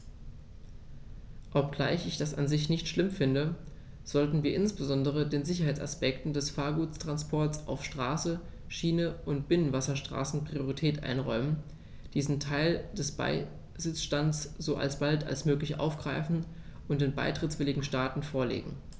Obgleich ich das an sich nicht schlimm finde, sollten wir insbesondere den Sicherheitsaspekten des Gefahrguttransports auf Straße, Schiene und Binnenwasserstraßen Priorität einräumen, diesen Teil des Besitzstands so bald als möglich aufgreifen und den beitrittswilligen Staaten vorlegen.